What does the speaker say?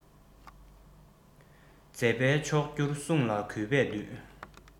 མཛད པའི མཆོག གྱུར གསུང ལ གུས པས འདུད